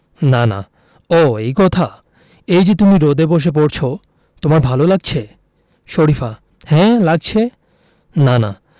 সব সময় গ্লানিতে মলিন হয়ে থাকে এখন সে একটা আশা দেখতে পেয়ে ব্যস্ত হয়ে যায় খুব ভালো হয় কত লোক বড়লোক হয়ে গেল আরব দেশে গিয়ে